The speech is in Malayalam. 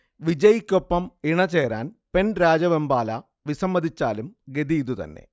വിജയിക്കൊപ്പം ഇണചേരാൻ പെൺരാജവെമ്പാല വിസമ്മതിച്ചാലും ഗതി ഇതുതന്നെ